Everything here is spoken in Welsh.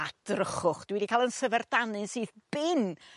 a drychwch dwi 'di ca'l 'yn syferdanu'n syth bin